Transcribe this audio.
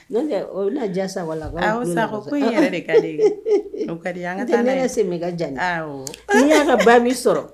Ne o na jaa sa wala sa yɛrɛ ka an ka taa ne se ka jan y'a ka ba min sɔrɔ